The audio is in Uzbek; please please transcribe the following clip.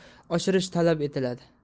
necha bor oshirish talab etiladi